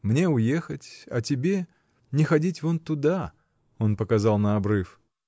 — Мне — уехать, а тебе — не ходить вон туда. — Он показал на обрыв.